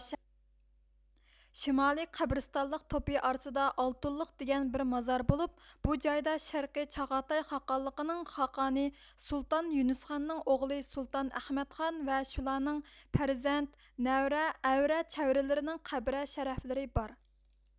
شىمالىي قەبرىستانلىق توپى ئارىسىدا ئالتۇنلۇق دېگەن بىر مازار بولۇپ بۇ جايدا شەرقىي چاغاتاي خاقانلىقىنىڭ خاقانى سۇلتان يۇنۇسخاننىڭ ئوغلى سۇلتان ئەخمەتخان ۋە شۇلارنىڭ پەرزەنت نەۋرە ئەۋرە چەۋرىلىرىنىڭ قەبرە شەرەفلىرى بار